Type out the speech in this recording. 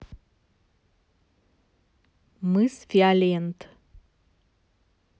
мыс фиолент